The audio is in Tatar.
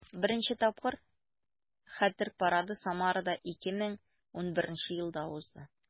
Беренче тапкыр Хәтер парады Самарада 2011 елда узды.